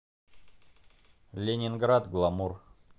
ленинград гламур